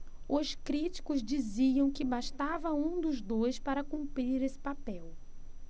os críticos diziam que bastava um dos dois para cumprir esse papel